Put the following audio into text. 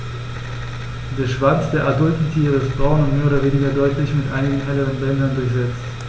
Der Schwanz der adulten Tiere ist braun und mehr oder weniger deutlich mit einigen helleren Bändern durchsetzt.